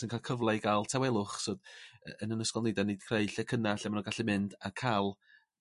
yn ca'l cyfle i ga'l tawelwch so yn 'yn ysgol ni 'dyn ni 'di creu llecynna lle ma' nw gallu mynd a ca'l